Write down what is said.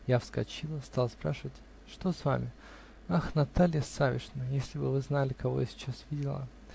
Я вскочила, стала спрашивать: "Что с вами?" -- Ах, Наталья Савишна, если бы вы знали, кого я сейчас видела.